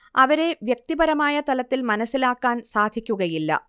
അവരെ വ്യക്തിപരമായ തലത്തിൽ മനസ്സിലാക്കാൻ സാധിക്കുകയില്ല